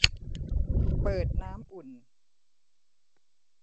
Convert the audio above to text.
เปิดน้ำอุ่น